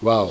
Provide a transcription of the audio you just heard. waaw